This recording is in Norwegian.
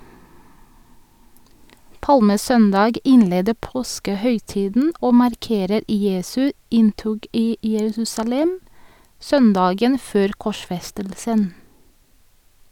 Palmesøndag innleder påskehøytiden og markerer Jesu inntog i Jerusalem søndagen før korsfestelsen.